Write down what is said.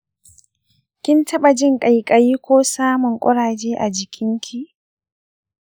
kin taba jin kaikayi ko samun ƙuraje a jikinki?